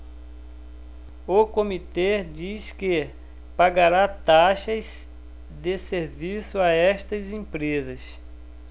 o comitê diz que pagará taxas de serviço a estas empresas